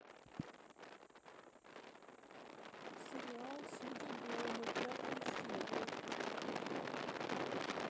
сериал сидя дома пятая серия